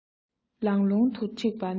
ལང ལོང དུ འཁྲིགས པ ནི